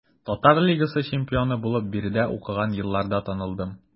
Татар лигасы чемпионы булып биредә укыган елларда танылдым.